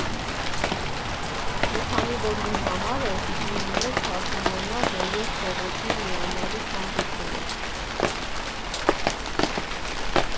Ու քանի որ իմ համար էր, պիտի իմ մեջ հասունանար նաև փողոցին միանալու ցանկությունը։